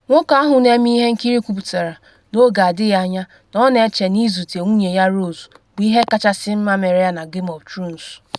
Nwoke ahụ na-eme ihe nkiri kwuputara n’oge adịghị anya na ọ na-eche na izute nwunye ya Rose bụ ihe kachasị mma mere ya na Game of Thrones.